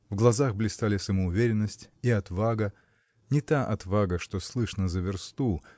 В глазах блистали самоуверенность и отвага – не та отвага что слышно за версту